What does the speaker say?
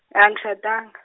angshadanga.